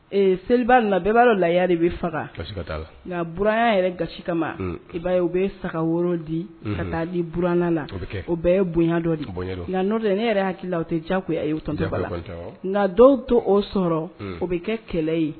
Seliba nana bɛɛ b'a laya de bɛ faga nka b yɛrɛ gasi kama ma i u bɛ saga woro di ka taa di buranan la o bɛɛ ye bodɔ di bo n'o ne yɛrɛ hakili la tɛ ja a nka dɔw to o sɔrɔ o bɛ kɛ kɛlɛ ye